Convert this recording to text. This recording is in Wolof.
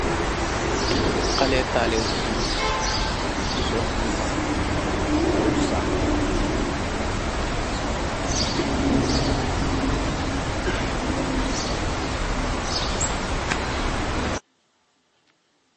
Xalèh talibeh bu gigeen, bu sol ilifon bot sak.